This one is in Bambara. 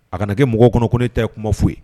A kana kɛ mɔgɔw kɔnɔ ko ne tɛ ye kuma foyi ye